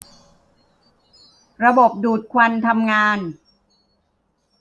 ระบบดูดควันทำงาน